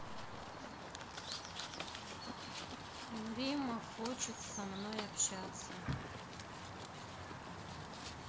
римма хочет со мной общаться